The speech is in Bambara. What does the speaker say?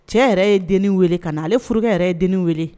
Cɛ yɛrɛ ye den weele ka na ale furakɛ yɛrɛ ye den weele